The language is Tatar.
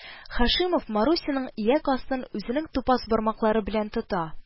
Һашимов Марусяның ияк астын үзенең тупас бармаклары белән тота